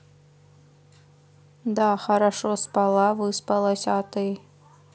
да хорошо спала выспалась а ты